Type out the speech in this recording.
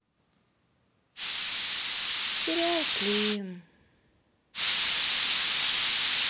сериал клим